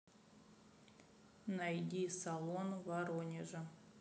найди салон в воронеже